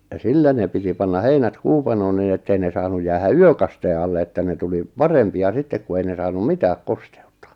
ja sillä ne piti panna heinät kuupanoon niin että ei ne saanut jäähän yökasteen alle että ne tuli parempia sitten kun ei ne saanut mitään kosteutta